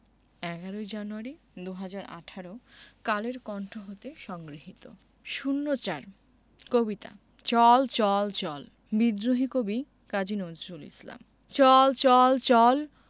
১১ জানুয়ারি ২০১৮ কালের কন্ঠ হতে সংগৃহীত ০৪ কবিতা চল চল চল বিদ্রোহী কবি কাজী নজরুল ইসলাম চল চল চল